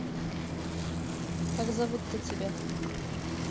как зовут то тебя